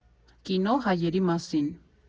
Կինո՝ հայերի մասին։